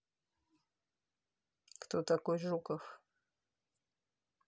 кто такой жуков